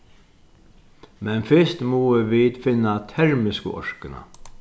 men fyrst mugu vit finna termisku orkuna